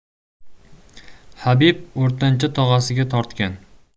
habib o'rtancha tog'asiga tortgan